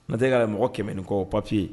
Ntɛ ka mɔgɔ kɛmɛ ni kɔ papiye